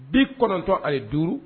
Bi kɔnɔntɔn ani ye duuru